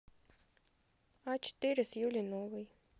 а четыре с юлей новый